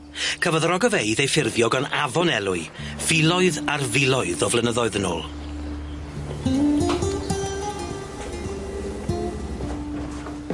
Cafodd yr ogofeydd ei ffurfio gan Afon Elwy filoedd ar filoedd o flynyddoedd yn ôl.